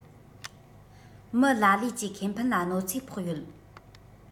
མི ལ ལས ཀྱི ཁེ ཕན ལ གནོད འཚེ ཕོག ཡོད